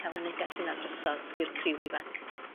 ca'l y neges yna drysodd i'r criw ifanc.